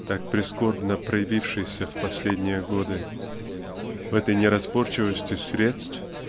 так прискорбно проявившийся о последние годы. В этой неразборчивости средств